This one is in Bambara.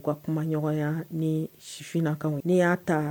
U ka kuma ɲɔgɔnya ni sifinlakaw, n'i y'a ta